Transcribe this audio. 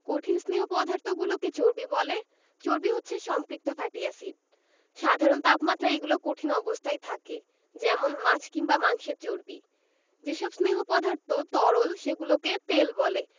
কঠিন স্নেহ পদার্থগুলোকে চর্বি বলে চর্বি হচ্ছে সম্পৃক্ত ফ্যাটি এসিড সাধারণ তাপমাত্রায় এগুলো কঠিন অবস্থায় থাকে যেমন মাছ কিংবা মাংসের চর্বি যেসব স্নেহ পদার্থ তরল সেগুলোকে তেল বলে